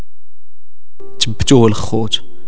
بتول اخوك